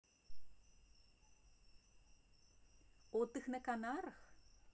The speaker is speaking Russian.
отдых на канарах